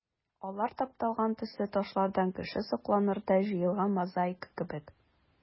Алар тапталган төсле ташлардан кеше сокланырдай җыелган мозаика кебек.